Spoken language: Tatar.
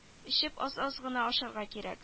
Эчеп аз-аз гына ашарга кирәк